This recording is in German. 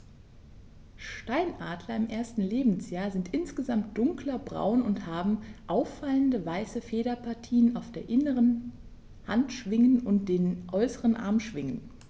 Steinadler im ersten Lebensjahr sind insgesamt dunkler braun und haben auffallende, weiße Federpartien auf den inneren Handschwingen und den äußeren Armschwingen.